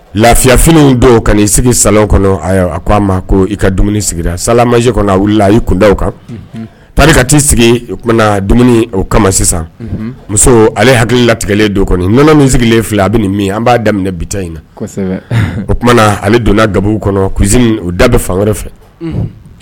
Lafiyafw don kana ii sigi sa kɔnɔ a ko a ma ko i ka dumuni sigira salalamasi kɔnɔ wulila a yi kunda kan pa ka t'i sigi oumana dumuni o kama sisan muso ale hakili latigɛlen don kɔnɔɔnɔ min sigilen filɛ a bɛ min an b'a daminɛ bita in na o tumana ale donna gabu kɔnɔ u da bɛ fan wɛrɛ fɛ